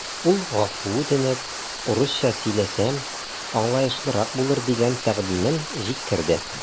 Ул гафу үтенеп, урысча сөйләсәм, аңлаешлырак булыр дигән тәкъдимен җиткерде.